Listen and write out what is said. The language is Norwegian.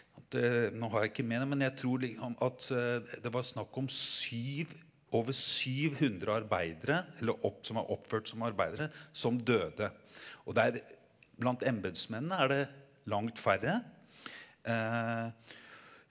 nå har jeg ikke med det men jeg tror liksom at det var snakk om syv over 700 arbeidere eller som er oppført som arbeidere som døde og der blant embetsmennene er det langt færre .